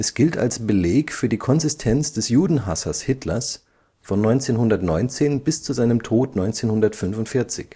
gilt als Beleg für die Konsistenz des Judenhasses Hitlers von 1919 bis zu seinem Tod 1945